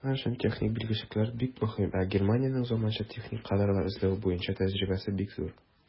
Татарстан өчен техник белгечлекләр бик мөһим, ә Германиянең заманча техник кадрлар әзерләү буенча тәҗрибәсе бик зур.